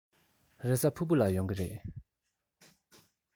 རེས གཟའ ཕུར བུ ལ ཡོང གི རེད